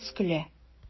Кыз көлә.